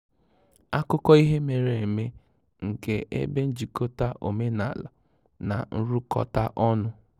Akụkọ ihe mere eme nke ebe njikọta omenaala na nrụkọta ọnụ